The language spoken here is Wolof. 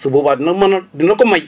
su boobaa dina mën a dina ko may